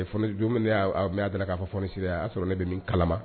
Jɔn y' mɛ'a k'a fɔ fonisi a y'a sɔrɔ ne bɛ min kalama